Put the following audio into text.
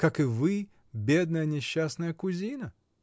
как и вы, бедная, несчастная кузина.